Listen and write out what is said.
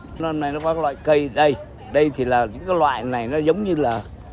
nó nay nó có các loại cây đây đây thì là những cái loại này nó giống như là